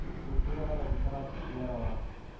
Культурага да битараф кешеләр алар